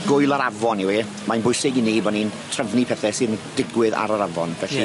Gwŷl ar afon yw e. Mae'n bwysig i ni bo' ni'n trefnu pethe sy'n digwydd ar yr afon felly... Ie.